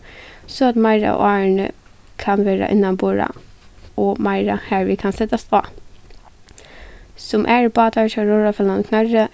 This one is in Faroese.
so at meiri av árini kann verða innanborða og meira harvið kann setast á sum aðrir bátar hjá róðrarfelagnum knørri